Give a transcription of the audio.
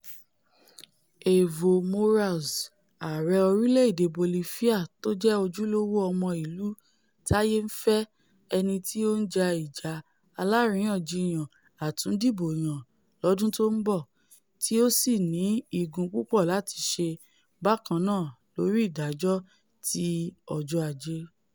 Evo Morales, ààrẹ orílẹ̀-èdè Bolifia tójẹ́ ojúlówó ọmọ ìlú táyé ńfẹ́ - ẹniti on ja ìjà aláàríyànjiyàn atún dìbò yàn lọ́dún tó ńbọ̀ - tí ó sì̀ ní igùn púpọ̀ láti ṣe bákannáa lórí ìdájọ́ ti ọjọ́ Aje ́.